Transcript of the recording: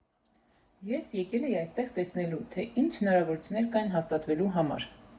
Ես եկել էի այստեղ տեսնելու, թե ինչ հնարավորություններ կան հաստատվելու համար։